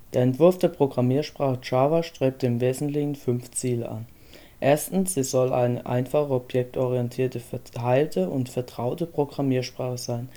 Entwurf der Programmiersprache Java strebte im Wesentlichen fünf Ziele an: Sie soll eine einfache objektorientierte, verteilte und vertraute Programmiersprache sein